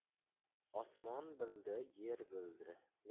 osmon bildi yer bildi